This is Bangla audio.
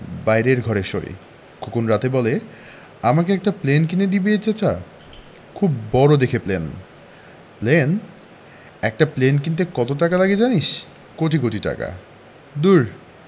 বাইরের ঘরে শোয় খোকন রাতে বলে আমাকে একটা প্লেন কিনে দিবে চাচা খুব বড় দেখে প্লেন প্লেন একটা প্লেন কিনতে কত টাকা লাগে জানিস কোটি কোটি টাকা দূর